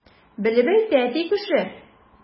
Белеп әйтә әти кеше!